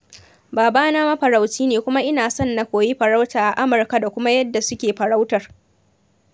Babana mafarauci ne kuma ina so na koyi farauta a Amurka da kuma yadda suke farautar.